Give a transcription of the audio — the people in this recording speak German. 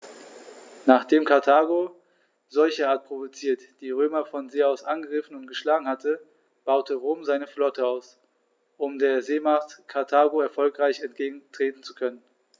Nachdem Karthago, solcherart provoziert, die Römer von See aus angegriffen und geschlagen hatte, baute Rom seine Flotte aus, um der Seemacht Karthago erfolgreich entgegentreten zu können.